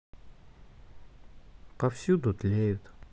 повсюду тлеют